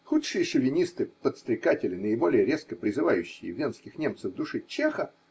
Худшие шовинисты-подстрекатели, наиболее резко призывающие венских немцев душить чеха.